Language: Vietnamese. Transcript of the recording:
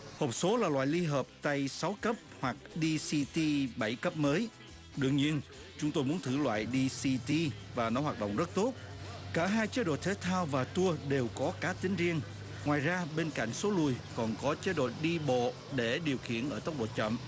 hộp số là loại ly hợp tay sáu cấp hoặc đi si ti bảy cấp mới đương nhiên chúng tôi muốn thử loại đi si ti và nó hoạt động rất tốt cả hai chứa đồ thể thao và tua đều có cá tính riêng ngoài ra bên cạnh số lùi còn có chế độ đi bộ để điều khiển ở tốc độ chậm